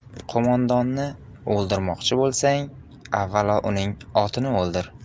qo'mondonni o'ldirmoqchi bo'lsang avvalo uning otini o'ldir